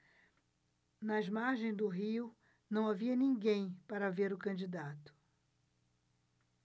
nas margens do rio não havia ninguém para ver o candidato